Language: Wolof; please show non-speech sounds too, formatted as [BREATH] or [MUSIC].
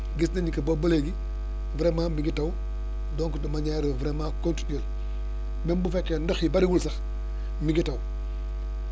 gis nañ ni que boobu ba léegi vraiment mi ngi taw donc de mani_re vraiment continuelle même bu fekkee ndox yi bëriwul sax [BREATH] mi ngi taw